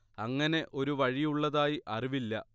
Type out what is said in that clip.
അങ്ങനെ ഒരു വഴി ഉള്ളതായി അറിവില്ല